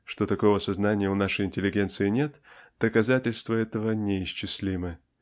Что такого сознания у нашей интеллигенции нет доказательства этого неисчислимы.